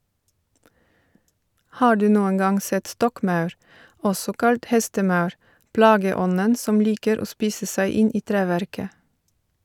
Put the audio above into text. Har du noen gang sett stokkmaur, også kalt hestemaur, plageånden som liker å spise seg inn i treverket?